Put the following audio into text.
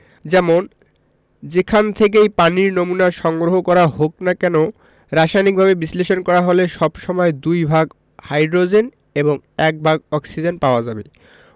যেমন যেখান থেকেই পানির নমুনা সংগ্রহ করা হোক না কেন রাসায়নিকভাবে বিশ্লেষণ করা হলে সব সময় দুই ভাগ হাইড্রোজেন এবং এক ভাগ অক্সিজেন পাওয়া যাবে